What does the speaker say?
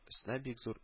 Өстенә бик зур